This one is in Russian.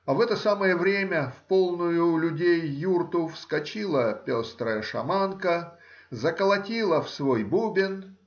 а в это самое время в полную людей юрту вскочила пестрая шаманка, заколотила в свой бубен